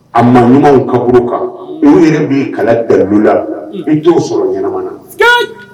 A ma ɲumanw kaburu kan n yɛrɛ bɛ kala bɛɛ la i t' sɔrɔ ɲɛnamana na